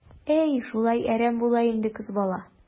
Әй, шулай әрәм була инде кыз бала.